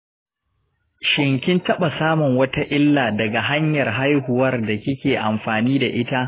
shin kin taɓa samun wata illa daga hanyar hana haihuwar da kike amfani da ita?